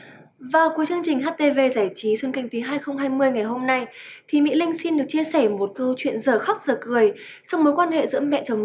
và cuối chương trình hát tê vê giải trí xuân canh tí hai không hai mươi ngày hôm nay thì mĩ linh xin được chia sẻ một câu chuyện dở khóc dở cười trong mối quan hệ giữa mẹ chồng